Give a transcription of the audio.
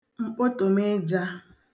m̀kpotòmịjā